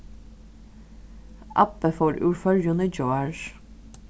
abbi fór úr føroyum í gjár